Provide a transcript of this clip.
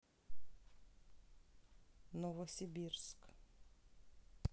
новосибирск